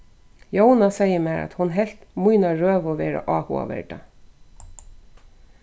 jóna segði mær at hon helt mína røðu vera áhugaverda